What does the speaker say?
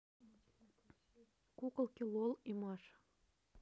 куколки лол и маша